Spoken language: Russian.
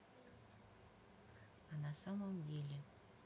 а на самом деле